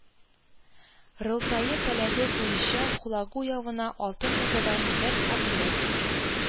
Рылтае таләбе буенча хулагу явына алтын урдадан да бер отряд